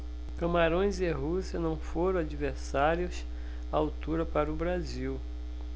camarões e rússia não foram adversários à altura para o brasil